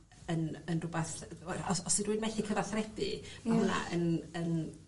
yn yn rwbath os os 'di rywun methu cyfathrebu ... Ia. ...ma' hwnna yn yn